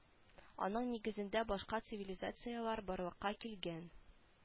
Аның нигезендә башка цивилизацияләр барлыкка килгән